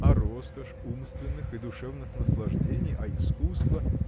– А роскошь умственных и душевных наслаждений, а искусство.